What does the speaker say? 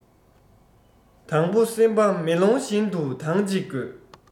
དང པོ སེམས པ མེ ལོང བཞིན དུ དྭངས གཅིག དགོས